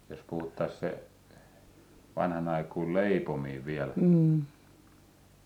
jos puhuttaisiin se vanhan aikuinen leipominen vielä